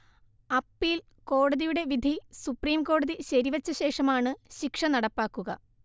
appeal കോടതിയുടെ വിധി സുപ്രീംകോടതി ശരിവെച്ച ശേഷമാണ് ശിക്ഷ നടപ്പാക്കുക